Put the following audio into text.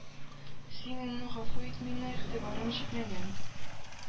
– син, энем, гафу ит мине, игътибарым җитмәгән